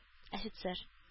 Офицер